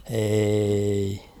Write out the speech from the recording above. ei